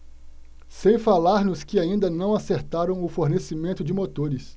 sem falar nos que ainda não acertaram o fornecimento de motores